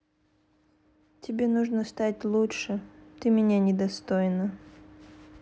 тебе нужно стать лучше ты меня недостойна